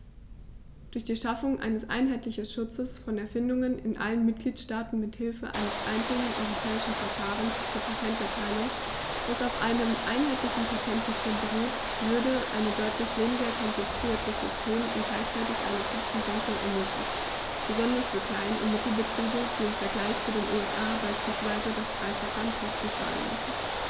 Durch die Schaffung eines einheitlichen Schutzes von Erfindungen in allen Mitgliedstaaten mit Hilfe eines einzelnen europäischen Verfahrens zur Patenterteilung, das auf einem einheitlichen Patentsystem beruht, würde ein deutlich weniger kompliziertes System und gleichzeitig eine Kostensenkung ermöglicht, besonders für Klein- und Mittelbetriebe, die im Vergleich zu den USA beispielsweise das dreifache an Kosten tragen müssen.